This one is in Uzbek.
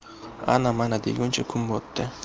ana mana deguncha kun botdi